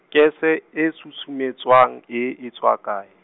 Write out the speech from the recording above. kese e susumetsang e etswa kae?